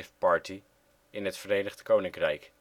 Party in het Verenigd Koninkrijk